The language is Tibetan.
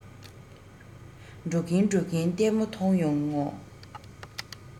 འགྲོ གིན འགྲོ གིན ལྟད མོ མཐོང ཡོང ངོ